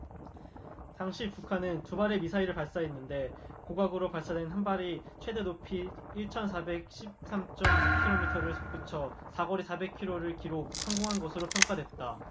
당시 북한은 두 발의 미사일을 발사했는데 고각으로 발사된 한 발이 최대 높이 일 천 사백 십 삼 쩜 육 키로미터를 솟구쳐 사거리 사백 키로미터를 기록 성공한 것으로 평가됐다